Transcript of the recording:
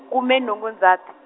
khume nhungu Ndzhati.